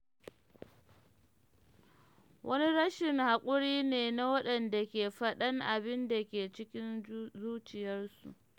Wani rashin haƙuri ne na waɗanda ke faɗan abin da ke cikin zuciyarsu